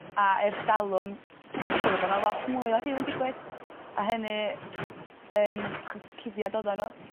A ers dalwm ma' siŵr ma' 'na lot mwy o rhyw yn digwydd a hynny yym acho cuddiad oddan n'w.